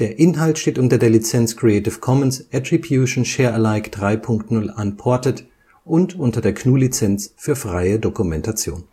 Inhalt steht unter der Lizenz Creative Commons Attribution Share Alike 3 Punkt 0 Unported und unter der GNU Lizenz für freie Dokumentation